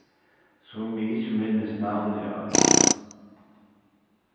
sum eg ikki minnist navnið á